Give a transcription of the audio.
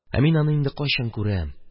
Ә мин аны инде кайчан күрәм?